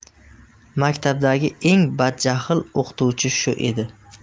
maktabdagi eng badjahl o'qituvchi shu edi